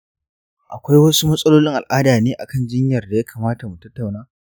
akwai wasu matsalolin al'ada ne akan jinyar daya kamata mu tattauna?